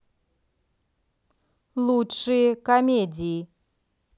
лучшие комедии